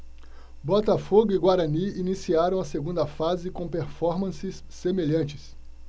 botafogo e guarani iniciaram a segunda fase com performances semelhantes